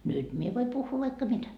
nyt minä voin puhua vaikka mitä